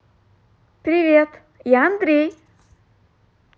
привет я андрей